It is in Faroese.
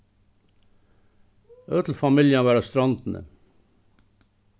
øll familjan var á strondini